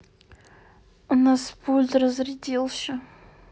у нас пульт разрядился